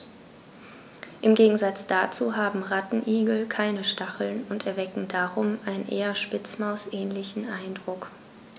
Im Gegensatz dazu haben Rattenigel keine Stacheln und erwecken darum einen eher Spitzmaus-ähnlichen Eindruck.